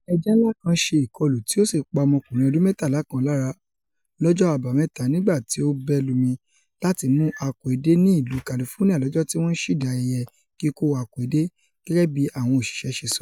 Ẹja ńlá kan ṣe ìkọlu tí ó sì pa ọmọkùnrin ọdún mẹtala kan lára lọ́jọ́ Àbámẹ́ta nígbà tí ó n ́bẹ́lumi láti mú ako edé ní ìlú Kalifónía lọjọ tí wọ́n ńsíde ayẹyẹ kiko ako edé, gẹgẹ bíi àwọn òṣìṣẹ́ se sọ.